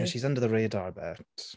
Ie she's under the radar a bit.